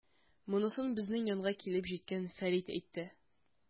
Монысын безнең янга килеп җиткән Фәрит әйтте.